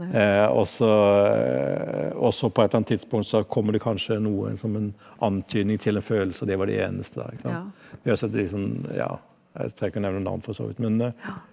også også på ett eller annet tidspunkt så kommer det kanskje noe som en antydning til en følelse og det var det eneste da, ikke sant, gjør sånn at det liksom ja jeg trenger ikke nevne navn for så vidt men.